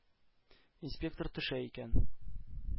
Инспектор төшә икән.